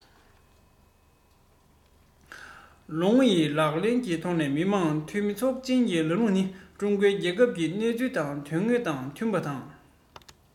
ལོ ངོ ཡི ལག ལེན གྱི ཐོག ནས མི དམངས འཐུས མི ཚོགས ཆེན གྱི ལམ ལུགས ནི ཀྲུང གོའི རྒྱལ ཁབ ཀྱི གནས ཚུལ དང དོན དངོས དང མཐུན པ དང